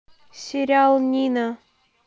сериал нина